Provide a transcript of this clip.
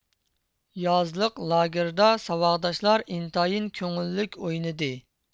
يازلىق لاگىردا ساۋاقداشلار ئىنتايىن كۆڭۈللۈك ئوينىدى